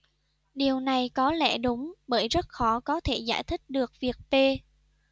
điều này có lẽ đúng bởi rất khó có thể giải thích được việc p